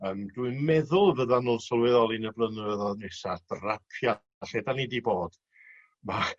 Yym dwi'n meddwl fyddan nw'n sylweddoli yn y blynyddodd nesa drapia a lle 'dan ni 'di bod ma'